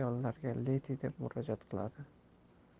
ayollarga ledi deb murojaat qiladi